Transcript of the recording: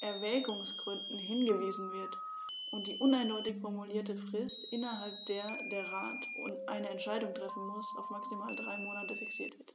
Erwägungsgründen hingewiesen wird und die uneindeutig formulierte Frist, innerhalb der der Rat eine Entscheidung treffen muss, auf maximal drei Monate fixiert wird.